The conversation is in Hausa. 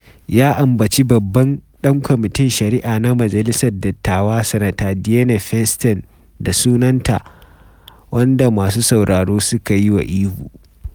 Ya ambaci babban dan Kwamitin Shari’a na Majalisar Dattawa Sanata Dianne Feinstein da sunanta, wanda masu sauraro suka yi wa ihu.